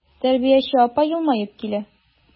Тәрбияче апа елмаеп килә.